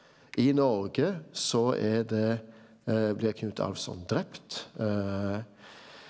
i Noreg så er det blir Knut Alvsson drept .